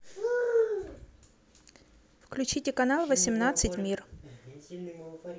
включите канал восемнадцать мир